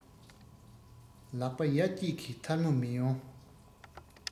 ལག པ ཡ གཅིག གིས ཐལ མོ མི ཡོང